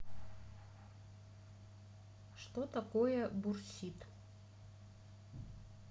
что такое бурсит